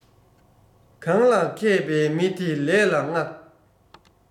གང ལ མཁས པའི མི དེ ལས ལ མངགས